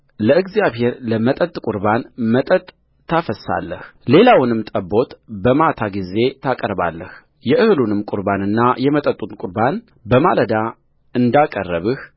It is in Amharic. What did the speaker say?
ለእግዚአብሔር ለመጠጥ ቍርባን መጠጥ ታፈስሳለህሌላውንም ጠቦት በማታ ጊዜ ታቀርባለህ የእህሉን ቍርባንና የመጠጡን ቍርባን በማለዳ እንዳቀረብህ